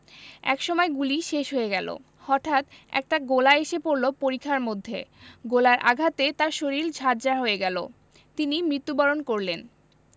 একসময় গুলি শেষ হয়ে গেল হটাঠ একটা গোলা এসে পড়ল পরিখার মধ্যে গোলার আঘাতে তার শরীর ঝাঁঝরা হয়ে গেল তিনি মৃত্যুবরণ করলেন